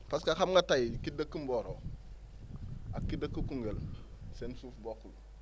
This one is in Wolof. parce que xam nga tey ki dëkk Mboro ak ki dëkk Koungheul seen suuf bokkul